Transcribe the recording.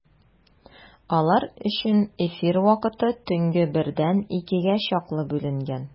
Алар өчен эфир вакыты төнге бердән икегә чаклы бүленгән.